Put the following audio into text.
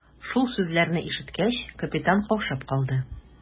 Шул сүзләрне ишеткәч, капитан каушап калды.